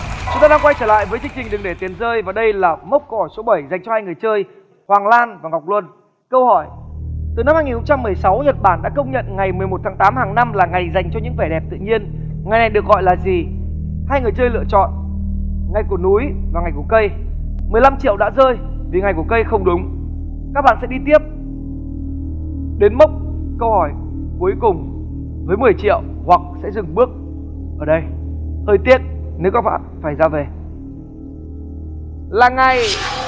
chúng ta đang quay trở lại với chương trình đừng để tiền rơi và đây là mốc câu hỏi số bảy dành cho hai người chơi hoàng lan và ngọc luân câu hỏi từ năm hai nghìn không trăm mười sáu nhật bản đã công nhận ngày mười một tháng tám hàng năm là ngày dành cho những vẻ đẹp tự nhiên ngày này được gọi là gì hai người chơi lựa chọn ngày của núi và ngày của cây mười lăm triệu đã rơi vì ngày của cây không đúng các bạn sẽ đi tiếp đến mốc câu hỏi cuối cùng với mười triệu hoặc sẽ dừng bước ở đây hơi tiếc nếu các bạn phải ra về là ngày